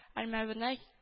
Элмәвенә